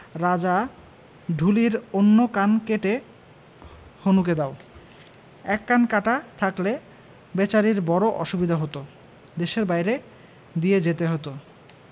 রাজা ঢুলির অন্য কান কেটে হনুকে দাও এক কান কাটা থাকলে বেচারির বড়ো অসুবিধা হত দেশের বাইরে দিয়ে যেতে হত